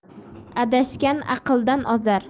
adashgan aqldan ozar